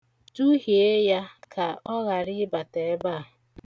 Duhie ya, ka ọ ghara ịbata ebe a.